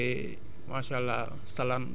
parce que bu ñu seetloo ne fii ngelaw li dafa bari